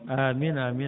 amine amine